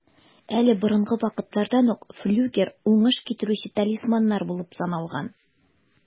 Әле борынгы вакытлардан ук флюгер уңыш китерүче талисманнар булып саналган.